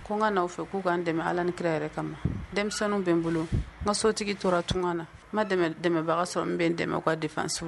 Ko n ka n'aw fɛ k'u k ka dɛmɛ ala ni kira yɛrɛ kama denmisɛnninw bɛ n bolo n ka sotigi tora tun na n ma dɛmɛbaga ka sɔrɔ bɛn dɛmɛ kaa defanso